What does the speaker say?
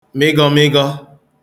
mịgọmịgọ